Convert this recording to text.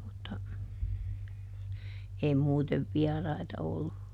mutta ei muuten vieraita ollut